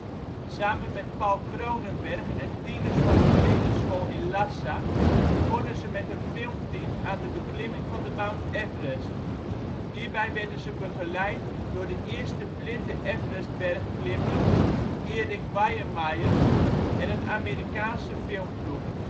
Samen met Paul Kronenberg en tieners van de blindenschool in Lhasa begonnen ze met een filmteam aan de beklimming van de Mount Everest. Hierbij werden ze begeleid door de eerste blinde Everest-bergklimmer Erik Weihenmayer en een Amerikaanse filmploeg